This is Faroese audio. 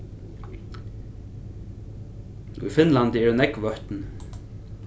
í finnlandi eru nógv vøtn